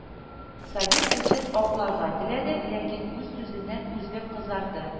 Сабир үзен акларга теләде, ләкин үз сүзеннән үзе кызарды